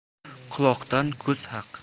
quloqdan ko'z haq